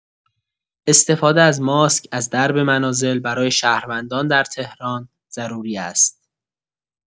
استفاده از ماسک از درب منازل برای شهروندان در تهران ضروری است.